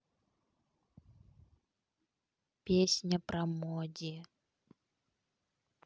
песня про моди